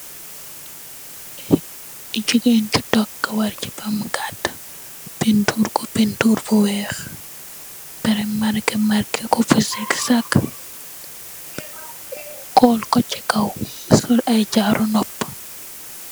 Jigeen ju dog kawarr ngi ba mu gatta, pentir ko pentir bu wèèx be pareh marké ko marké bu sikisak kól ko ci kaw sol ay jaru nopuh.